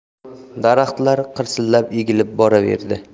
daraxtlar qirsillab egilib boraverdi